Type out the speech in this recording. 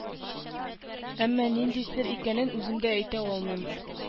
Әмма нинди сер икәнен үзем дә әйтә алмыйм